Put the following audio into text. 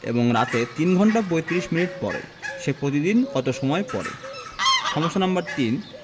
এবং রাতে ৩ ঘণ্টা ৩৫ মিনিট পড়ে সে প্রতিদিন কত সময় পড়ে সমস্যা নাম্বার ৩